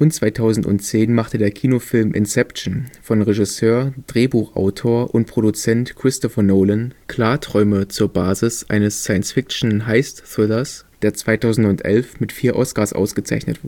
2010 machte der Kino-Film Inception von Regisseur, Drehbuchautor und Produzent Christopher Nolan Klarträume zur Basis eines Science-Fiction-Heist-Thrillers, der 2011 mit vier Oscars ausgezeichnet